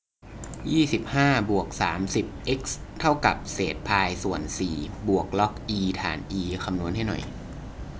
ยี่สิบห้าบวกสามสิบเอ็กซ์เท่ากับเศษพายส่วนสี่บวกล็อกอีฐานอีคำนวณให้หน่อย